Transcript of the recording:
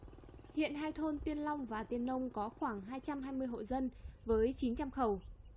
hiện hai thôn tiên long và tiên nông có khoảng hai trăm hai mươi hộ dân với chín trăm khẩu